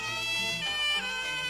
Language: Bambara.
San